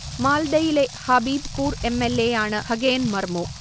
മാൽഡയിലെ ഹബീബ്പൂർ M. L. A. യാണ് ഖഗേൻ മർമു